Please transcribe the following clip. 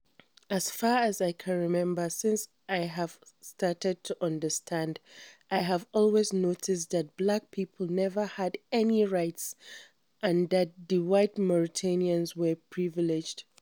As far as I can remember, since I have started to understand, I have always noticed that black people never had any rights, and that the white Mauritanians were privileged.